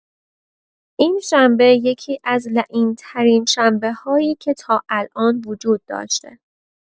این شنبه یکی‌از لعین‌ترین شنبه‌هایی که تا الان وجود داشته